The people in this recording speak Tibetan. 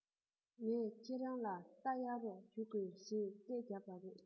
ངས ཁྱེད རང ལ རྟ གཡར རོགས ཞུ དགོས ཞེས སྐད རྒྱབ པ རེད